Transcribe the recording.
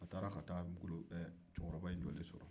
a taara ka taa cɛkɔrɔba in jɔlen sɔrɔ